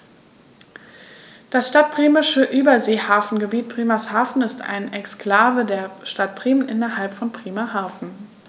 Das Stadtbremische Überseehafengebiet Bremerhaven ist eine Exklave der Stadt Bremen innerhalb von Bremerhaven.